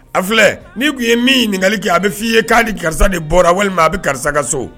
A filɛ ni tun ye min ɲininkakali kɛ a bɛ f'i ye k'a ni karisa de bɔra walima a bɛ karisa ka so